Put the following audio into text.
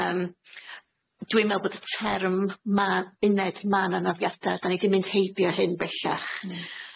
Yym dwi'n me'wl bod y term ma' uned mân anafiada da ni di mynd heibio hyn bellach.